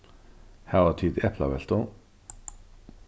hava tit eplaveltu